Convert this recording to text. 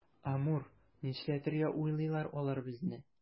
Амур, нишләтергә уйлыйлар алар безне?